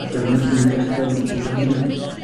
a dyma nhw'n dechre mynd i bannig.